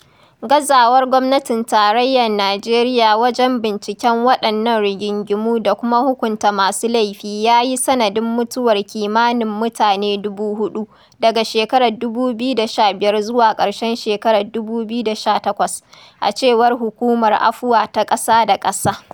Gazawar gwamnatin tarayyar Nijeriya wajen binciken waɗannan rigingimu da kuma hukunta masu laifi "ya yi sanadin mutuwar kimanin mutane 4,000 daga shekarar 2015 zuwa ƙarshen shekarar 2018, a cewar Hukumar Afuwa ta ƙasa da ƙasa.